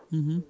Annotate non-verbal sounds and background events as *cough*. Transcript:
*hesitation* *hesitation*